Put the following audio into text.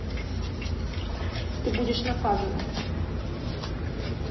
ты будешь наказана